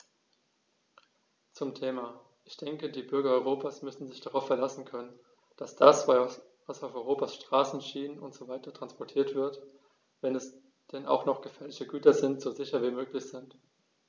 Zum Thema: Ich denke, die Bürger Europas müssen sich darauf verlassen können, dass das, was auf Europas Straßen, Schienen usw. transportiert wird, wenn es denn auch noch gefährliche Güter sind, so sicher wie möglich ist.